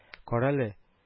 — карале